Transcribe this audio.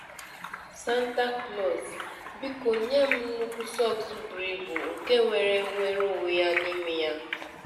Santa Claus, biko nye m nnukwu sọks buru ibu nke nwere nnwereonwe n'ime ya.